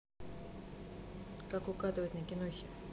как угадывать на кинохи